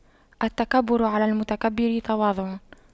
التكبر على المتكبر تواضع